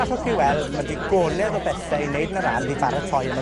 allwch chi weld, ma' digonedd o bethe i wneud yn yr ardd i baratoi am y